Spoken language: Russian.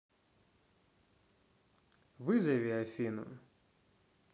вызови афину